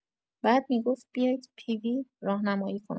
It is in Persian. بعد می‌گفت بیاید پی‌وی راهنمایی کنم.